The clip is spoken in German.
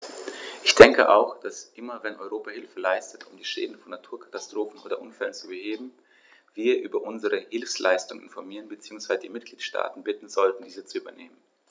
Ich denke auch, dass immer wenn Europa Hilfe leistet, um die Schäden von Naturkatastrophen oder Unfällen zu beheben, wir über unsere Hilfsleistungen informieren bzw. die Mitgliedstaaten bitten sollten, dies zu übernehmen.